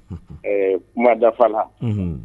Ɛɛ kuma dafafala